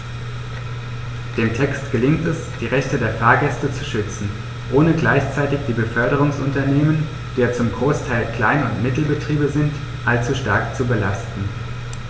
Dem Text gelingt es, die Rechte der Fahrgäste zu schützen, ohne gleichzeitig die Beförderungsunternehmen - die ja zum Großteil Klein- und Mittelbetriebe sind - allzu stark zu belasten.